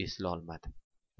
u eslolmadi